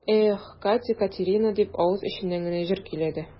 Эх, Катя-Катерина дип, авыз эченнән генә җыр көйләде.